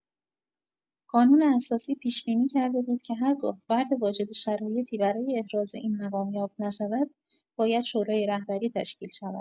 قانون اساسی پیش‌بینی کرده بود که هرگاه فرد واجد شرایطی برای احراز این مقام یافت نشود، باید شورای رهبری تشکیل شود.